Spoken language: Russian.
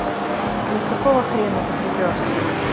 ни какого хрена ты приперся